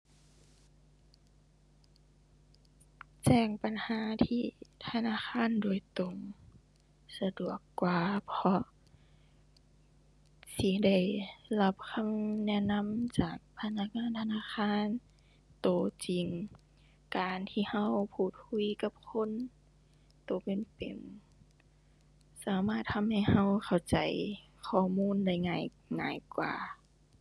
แจ้งปัญหาที่ธนาคารโดยตรงสะดวกกว่า เพราะสิได้รับคำแนะนำจากพนักงานธนาคารตัวจริง การที่ตัวพูดคุยกับคนตัวเป็นเป็น สามารถทำให้ตัวเข้าใจข้อมูลได้ง่ายง่ายกว่า